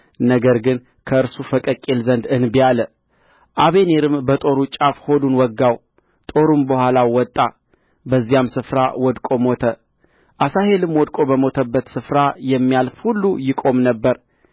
ነገር ግን ከእርሱ ፈቀቅ ይል ዘንድ እንቢ አለ አበኔርም በጦሩ ጫፍ ሆዱን ወጋው ጦሩም በኋላው ወጣ በዚያም ስፍራ ወድቆ ሞተ አሣሄልም ወድቆ በሞተበቱ ስፍራ የሚያልፍ ሁሉ ይቆም ነበር